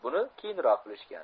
buni keyinroq bilishgan